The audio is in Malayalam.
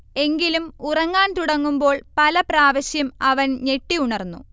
എങ്കിലും ഉറങ്ങാൻ തുടങ്ങുമ്പോൾ പല പ്രാവശ്യം അവൻ ഞെട്ടി ഉണർന്നു